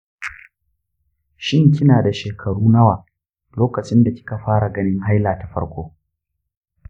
shin kina da shekaru nawa lokacin da kika fara ganin haila ta farko?